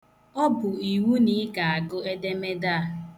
Ọ bụ iwu na ị ga-agụ edemede a.